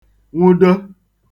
nwụdo